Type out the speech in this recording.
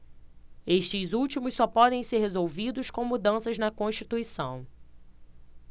estes últimos só podem ser resolvidos com mudanças na constituição